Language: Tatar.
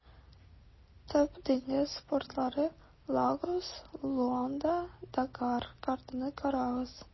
Төп диңгез портлары - Лагос, Луанда, Дакар (картаны карагыз).